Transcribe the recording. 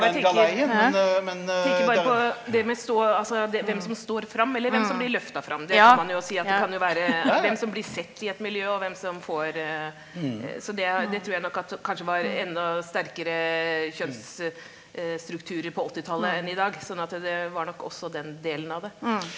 men jeg tenker tenker bare på det med stå altså det hvem som står fram, eller hvem som blir løfta fram, det kan man jo si at det kan jo være hvem som blir sett i et miljø og hvem som får så det det tror jeg nok at kanskje var enda sterkere kjønnsstrukturer på åttitallet enn i dag sånn at det var nok også den delen av det.